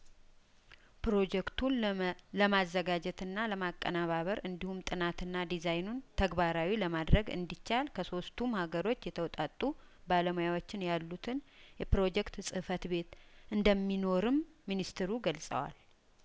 ፕሮጀክቱን ለማዘጋጀትና ለማቀነባበር እንዲሁም ጥናቱንና ዲዛይኑን ተግባራዊ ለማድረግ እንዲቻል ከሶስቱም ሀገሮች የተወጣጡ ባለሙያዎችን ያሉትን የፕሮጀክት ጽፈት ቤት እንደሚኖርም ሚኒስትሩ ገልጸዋል